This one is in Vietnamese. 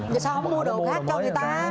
rồi sao không mua đồ khác cho người ta